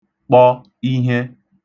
kpọ ihe